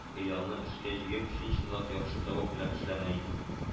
Хыялны эшкә җигеп, чын-чынлап яхшы зәвык белән эшләнә иде